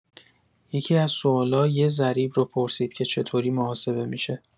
یکی‌از سوالا یه ضریب رو پرسید که چطوری محاسبه می‌شه